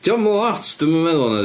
Di o ddim yn lot dwi ddim yn meddwl na 'di?